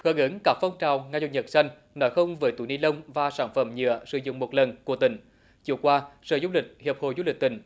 hưởng ứng các phong trào ngày chủ nhật xanh nói không với túi ni lông và sản phẩm nhựa sử dụng một lần của tỉnh chiều qua sở du lịch hiệp hội du lịch tỉnh